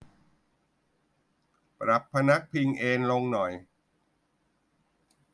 ปรับพนักพิงเอนลงหน่อย